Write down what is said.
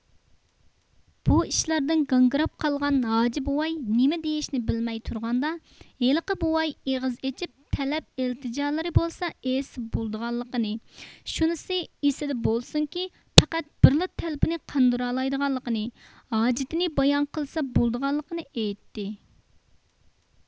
بۇ ئىشلاردىن گاڭگىراپ قالغان ھاجى بوۋاي نېمە دېيىشنى بىلمەي تۇرغاندا ھېلىقى بوۋاي ئېغىز ئېچىپ تەلەپ ئىلتىجالىرى بولسا ئېيتسا بولىدىغانلىقىنى شۇنىسى ئېسىىدە بولسۇنكى پەقەت بىرلا تەلىپىنى قاندۇرالايدىغانلىقىنى ھاجىتىنى بايان قىلسا بولىدىغانلىقىنى ئېيتتى